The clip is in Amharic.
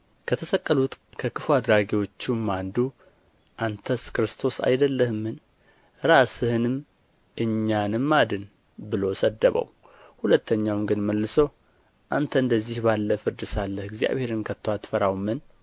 ከተሰቀሉት ከክፉ አድራጊዎቹም አንዱ አንተስ ክርስቶስ አይደለህምን ራስህንም እኛንም አድን ብሎ ሰደበው ሁለተኛው ግን መልሶ አንተ እንደዚህ ባለ ፍርድ ሳለህ እግዚአብሔርን ከቶ አትፈራውምን